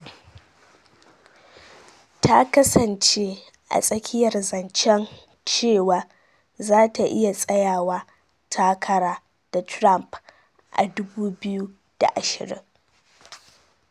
Ta kasance a tsakiyar zancen cewa zata iya tsayawa takara da Trump a 2020.